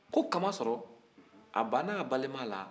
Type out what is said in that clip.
ko kamasɔrɔ a bann'a balima la